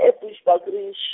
e- Bushbuckridge.